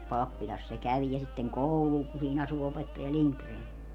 pappilassa se kävi ja sitten koululla kun siinä asui opettaja Lindgren